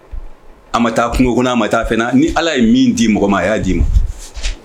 A ma taa kungo kɔnɔ, a ma taa fɛn na ni Ala ye min di mɔgɔ ma, a y'a di ma.